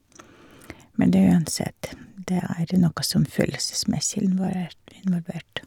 Men det er uansett, det er noe som følelsesmessig invåert involvert.